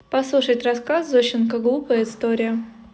послушать рассказ зощенко глупая история